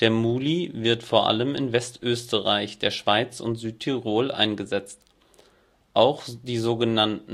Muli wird vor allem in Westösterreich, der Schweiz und Südtirol eingesetzt. Auch die sog.